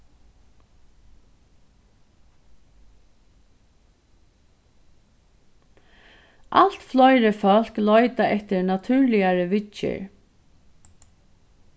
alt fleiri fólk leita eftir natúrligari viðgerð